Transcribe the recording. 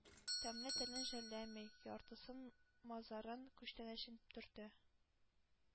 Тәмле телен жәлләми, яртысын-мазарын, күчтәнәчен төртә...